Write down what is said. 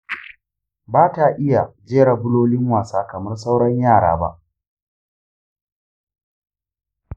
ba ta iya jera bulolinwasa kamar sauran yara ba.